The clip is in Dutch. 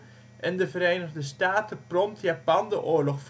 en de Verenigde Staten prompt Japan de oorlog